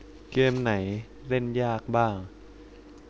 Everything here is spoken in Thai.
เกมไหนเล่นยากบ้าง